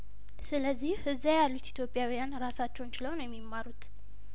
ስለዚህ እዚያያሉት ኢትዮጵያዊያን እራሳቸውን ችለው ነው የሚማሩት